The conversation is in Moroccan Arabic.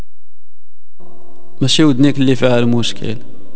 مش يوديك اللي في المشكله